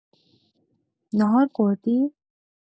ناهار خوردی؟